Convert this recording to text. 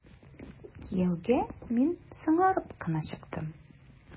Кияүгә мин соңарып кына чыктым.